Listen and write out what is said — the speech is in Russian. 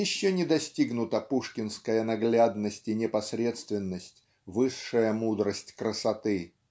еще не достигнута пушкинская наглядность и непосредственность высшая мудрость красоты.